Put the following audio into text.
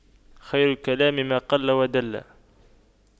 خير الكلام ما قل ودل